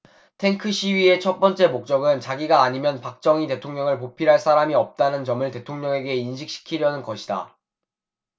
탱크 시위의 첫 번째 목적은 자기가 아니면 박정희 대통령을 보필할 사람이 없다는 점을 대통령에게 인식시키려는 것이다